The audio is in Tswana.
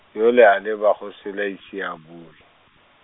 yole a leba go sele a ise a bue.